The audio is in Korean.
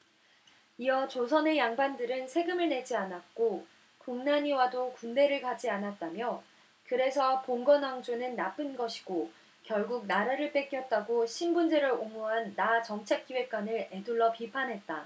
이어 조선의 양반들은 세금을 내지 않았고 국난이 와도 군대를 가지 않았다며 그래서 봉건왕조는 나쁜 것이고 결국 나라를 뺏겼다고 신분제를 옹호한 나 정책기획관을 에둘러 비판했다